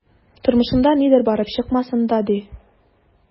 Тормышында нидер барып чыкмасын да, ди...